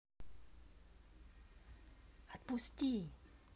опусти